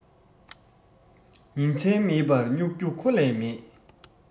ཉིན མཚན མེད པར རྨྱུག རྒྱུ ཁོ ལས མེད